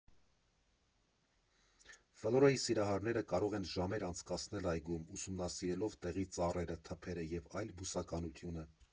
Ֆլորայի սիրահարները կարող են ժամեր անցկացնել այգում՝ ուսումնասիրելով տեղի ծառերը, թփերը և այլ բուսականությունը։